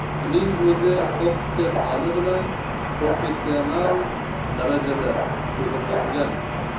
uning o'zi optika fani bilan professional darajada shug'ullangan